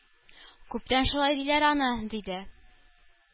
-күптән шулай диләр аны,- диде.